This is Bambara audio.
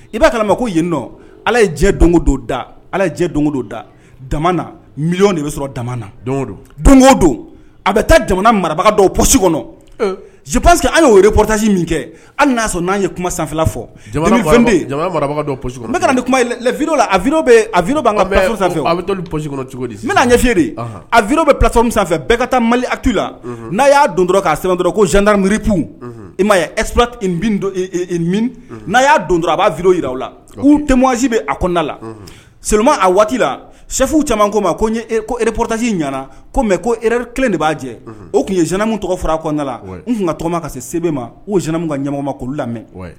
I b'a ma ko yendɔn ala ye jɛ don don da ala ye jɛ don don da da na miy de bɛ sɔrɔ da don don a bɛ taa jamana marabaga dɔw psi kɔnɔ jipsseke an yere porotasi min kɛ hali n'a sɔrɔ n'an ye kuma sanfɛ fɔ psifila a a'an kafɛ bɛ psi cogodi n bɛna ɲɛfie aiw bɛ psɔ min sanfɛ bɛɛ ka taa mali atu la n'a y'a don dɔrɔn'a sɛbɛn dɔrɔn ko zdrairip i ma esdo n'a y'a don dɔrɔn a b'a fi jira u la k'u tɛ wasi bɛ a koda la soma a waati lafu caman ko ma ko ere pptasi ɲɛna ko mɛ ko kelen de b'a jɛ o tun ye jinamu tɔgɔ fɔra a kɔnɔnda la n tun ka tɔgɔma ka se sebe ma u jinamu ka ɲama ko lamɛnmɛ